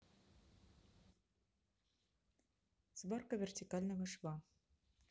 сварка вертикального шва